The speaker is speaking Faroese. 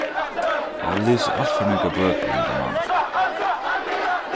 eg havi lisið alt for nógvar bøkur hendan mánaðin